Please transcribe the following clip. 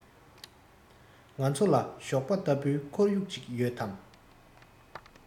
ང ཚོ ལ ཞོགས པ ལྟ བུའི ཁོར ཡུག ཅིག ཡོད དམ